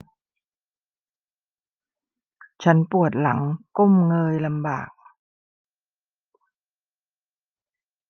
ฉันปวดหลังก้มเงยลำบาก